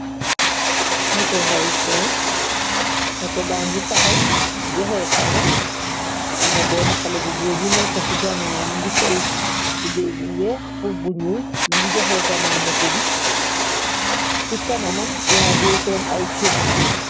Moto ngay seen, moto ba ngi taxaw joxe kanam, amna benn xale bu boo bi nekk ci ganawam mungi sol tube bu weex , mbubu bu ñuul mu ngi joxe ganaaw moto bi, ci kanamam yaa ngee seen ay kër.